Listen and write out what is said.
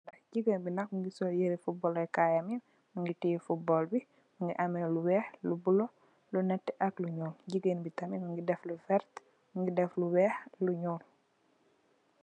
Jigeen b nak mungi sol Jere fotboleh ka yam b mungi teyeh football b mungi ameh lu weeh lu blue lu neteh lu nul. Gigeen b tami mungi def lu verte, mungi def lu verte lu nul